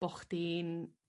bo' chdi'n